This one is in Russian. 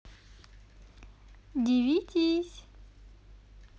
дивитись